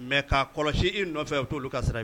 Mɛ ka kɔlɔsi i dɔ nɔfɛ o' oluolu ka sira